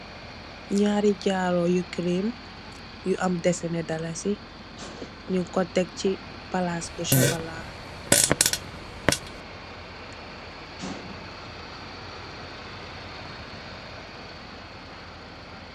Nyari Garu yu creem yu am desene dalasi ñunko deksi palas bu socola.